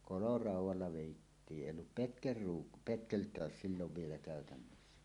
koloraudalla vedettiin ei ollut - petkeltä silloin vielä käytössä